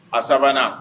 A 3 nan.